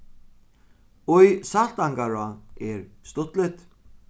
í saltangará er stuttligt